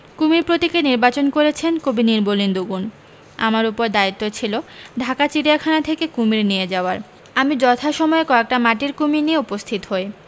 কুমীর প্রতীকে নির্বাচন করেছেন কবি নির্মলেন্দু গুণ আমার উপর দায়িত্ব ছিল ঢাকা চিড়িয়াখানা থেকে কুমীর নিয়ে যাওয়ার আমি যথাসময়ে কয়েকটা মাটির কুমীর নিয়ে উপস্থিত হই